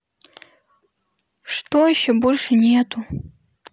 что еще больше нету